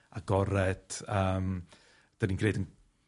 agored yym 'dyn ni'n gneud 'n